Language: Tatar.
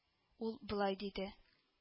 Ул болай диде: